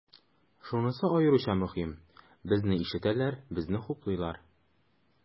Шунысы аеруча мөһим, безне ишетәләр, безне хуплыйлар.